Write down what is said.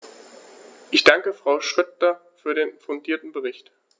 Ich danke Frau Schroedter für den fundierten Bericht.